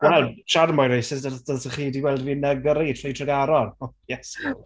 Wel siarad am boy racers, dyl- dylsech chi 'di gweld fi'n yy gyrru trwy Tregaron. Iesgob!